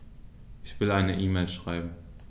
Ich will eine E-Mail schreiben.